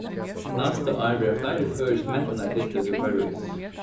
næsta ár verða fleiri føroysk mentanartiltøk í parís